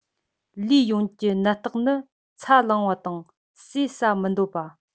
ལུས ཡོངས ཀྱི ནད རྟགས ནི ཚ ལངས པ དང ཟས ཟ མི འདོད པ